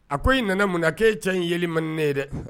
A ko i nana mun na' ye cɛ in yeli man ne ye dɛ